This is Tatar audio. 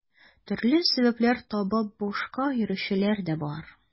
Төрле сәбәпләр табып бушка йөрүчеләр дә бар.